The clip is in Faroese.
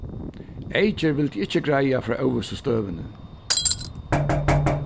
eyðgerð vildi ikki greiða frá óvissu støðuni